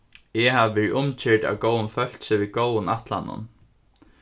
eg havi verið umgyrd av góðum fólki við góðum ætlanum